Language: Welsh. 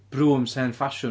Brooms hen ffasiwn.